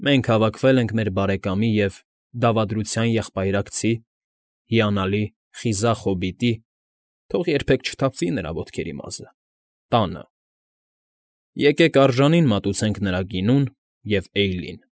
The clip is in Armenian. Մենք հավաքվել ենք մեր բարեկամի և դավադրության եղբայրակցի՝ հիանալի, խիզախ հոբիտի (թող երբեք չթափվի նրա ոտքերի մազը) տանը, եկեք արժանին մատուցենք նրա գինուն և էյլին։